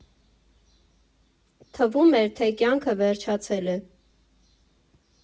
Թվում էր, թե կյանքը վերջացել է։